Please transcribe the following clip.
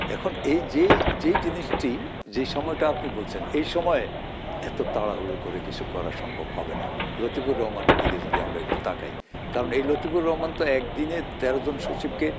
এখন এই যেই যেই জিনিসটি যে সময়টা আপনি বলছেন এই সময় এত তাড়াহুড়া করে কিছু করা সম্ভব হবে না লতিফুর রহমান এদিকে আমরা যদি একটু তাকাই কারণ এই লতিফুর রহমান তো এক দিনে ১৩ জন সচিব কে